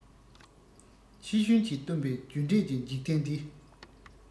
ཕྱི ཤུན གྱིས བཏུམ པའི རྒྱུ འབྲས ཀྱི འཇིག རྟེན འདི